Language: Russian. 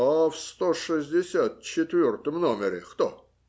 А в сто шестьдесят четвертом номере кто?